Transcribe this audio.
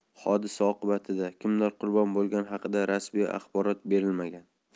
hodisa oqibatida kimlar qurbon bo'lgani haqida rasmiy axborot berilmagan